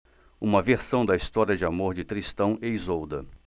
uma versão da história de amor de tristão e isolda